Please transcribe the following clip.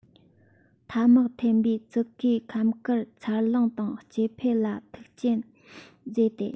ཐ མག འཐེན པའི ཙི གུའི ཁམས དཀར མཚར ལོངས དང སྐྱེ འཕེལ ལ ཤུགས རྐྱེན བཟོས ཏེ